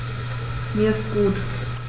Mir ist gut.